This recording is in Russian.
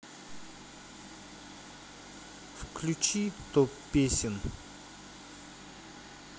включи топ песен